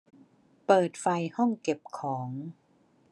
เปิดไฟห้องเก็บของ